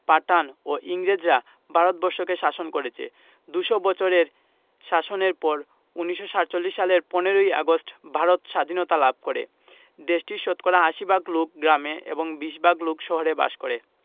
পাঠান ও ইংরেজরা ভারত বর্ষকে শাসন করেছে দু'শ বছরের শাসনের পর ১৯৪৭ সালের ১৫ ই আগস্ট ভারত সাধীনতা লাভ করেদেশটির শতকরা ৮০ ভাগ লোক গ্রামে এবং ২০ ভাগ লোক শহরে বাস করে